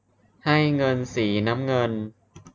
ให้เงินสีน้ำเงิน